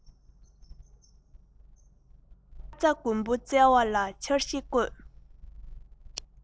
དབྱར རྩྭ དགུན འབུ བཙལ བ ལ འཆར གཞི བཀོད